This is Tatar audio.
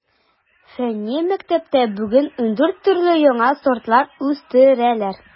Фәнни мәктәптә бүген ундүрт төрле яңа сортлар үстерәләр.